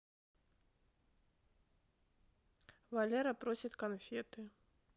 валера просит конфеты